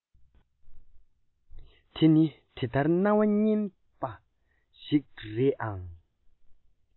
དེ ནི དེ ལྟར རྣ བར སྙན པ ཞིག རེད ཨང